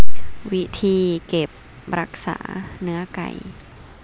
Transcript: วิธีเก็บรักษาเนื้อไก่